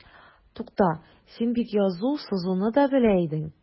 Тукта, син бит язу-сызуны да белә идең.